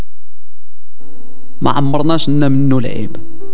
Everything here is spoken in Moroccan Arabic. معمر ناصر